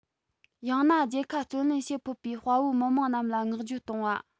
ཡང ན རྒྱལ ཁ བརྩོན ལེན བྱེད ཕོད པའི དཔའ བོའི མི དམངས རྣམས ལ བསྔགས བརྗོད གཏོང བ